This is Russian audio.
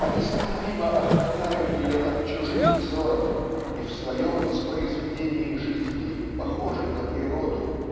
они стыдливо охраняют ее от чужих взоров и в своем воспроизведении жизни похожи на природу